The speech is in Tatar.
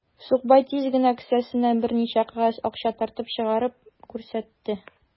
Сукбай тиз генә кесәсеннән берничә кәгазь акча тартып чыгарып күрсәтте.